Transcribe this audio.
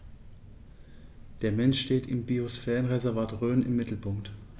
Der Mensch steht im Biosphärenreservat Rhön im Mittelpunkt.